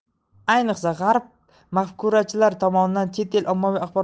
ayniqsa g'arb mafkurachilari tomonidan chet el ommaviy axborot